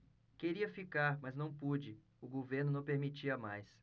queria ficar mas não pude o governo não permitia mais